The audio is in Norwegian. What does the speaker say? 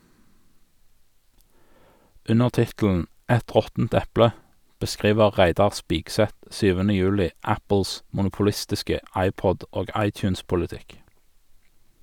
Under tittelen "Et råttent eple" beskriver Reidar Spigseth 7. juli Apples monopolistiske iPod- og iTunes-politikk.